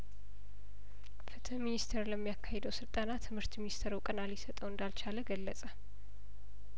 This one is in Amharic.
ፍትህ ሚኒስተር ለሚያካሂደው ስልጠና ትምህርት ሚኒስተር እውቅና ሊሰጠው እንዳልቻለ ገለጸ